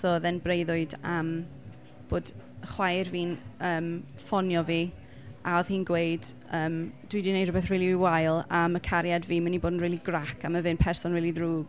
So oedd e'n breuddwyd am bod chwaer fi'n yym ffonio fi a oedd hi'n gweud yym "dwi 'di wneud rhywbeth rili wael a ma' cariad fi mynd i bod yn rili grac a ma' fe'n person rili ddrwg".